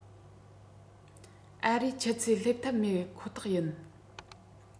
ཨ རིའི ཆུ ཚད སླེབས ཐབས མེད ཁོ ཐག ཡིན